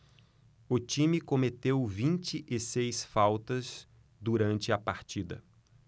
o time cometeu vinte e seis faltas durante a partida